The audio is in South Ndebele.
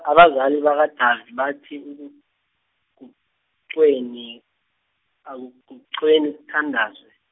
abazali bakaDavi bathi, ukuguqweni-, akuguqweni kuthandazwe.